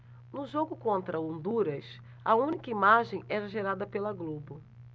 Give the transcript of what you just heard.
no jogo contra honduras a única imagem era gerada pela globo